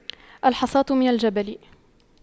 الحصاة من الجبل